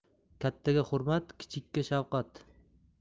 kattaga hurmat kichikka shafqat